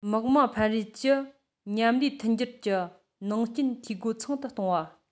དམག དམངས ཕན རེས ཀྱི མཉམ ལས མཐུན འགྱུར གྱི ནང རྐྱེན འཐུས སྒོ ཚང དུ གཏོང བ